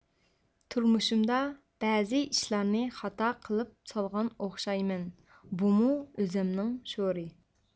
تۇرمۇشۇمدا بەزى ئىشلارنى خاتا قىلىپ سالغان ئوخشايمەن بۇمۇ ئۆزۈمنىڭ شورى